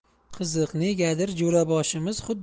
qiziq negadir jo'raboshimiz xuddi